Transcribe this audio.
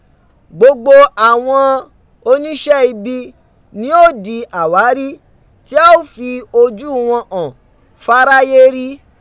Gbogbo àwọn oníṣẹ́ ibi ni ó di àwárí tí a ó fi ojúu wọn hàn fáráyé rí.